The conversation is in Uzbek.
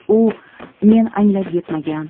u men anglab yetmagan